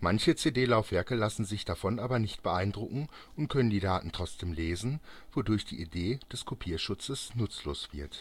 Manche CD-Laufwerke lassen sich davon aber nicht beeindrucken und können die Daten trotzdem lesen, wodurch die Idee des „ Kopierschutzes “nutzlos wird